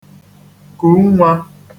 kù nnwā